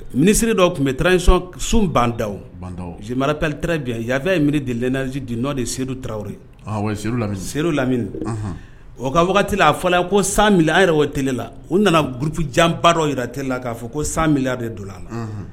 Minisiri dɔw tun bɛ tarawelesɔn sun banda simara tali tarawelebi yafafɛya miiri de z de n nɔo de sedu tarawele se lamini o ka wagati a fɔra ko san a yɛrɛ o tla u nana gfin janbadɔ jira tla k'a fɔ ko sanya de don a la